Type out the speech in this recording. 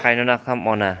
qaynona ham ona